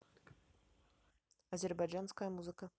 азербайджанская музыка